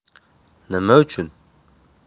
nima uchun